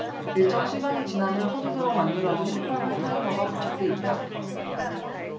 일정 시간이 지나면 터지도록 만들어진 폭발물 타이머가 부착돼 있다